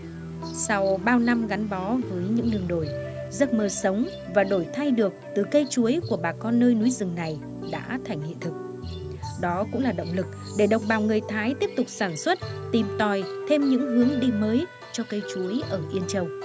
sau bao năm gắn bó với những nương đồi giấc mơ sống và đổi thay được từ cây chuối của bà con nơi núi rừng này đã thành hiện thực đó cũng là động lực để đồng bào người thái tiếp tục sản xuất tìm tòi thêm những hướng đi mới cho cây chuối ở yên châu